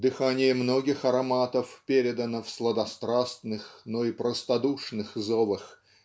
Дыхание многих ароматов передано в сладострастных но и простодушных зовах